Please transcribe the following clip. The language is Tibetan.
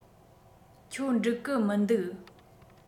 ཁྱོད འགྲིག གི མི འདུག